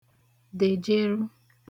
dèjeru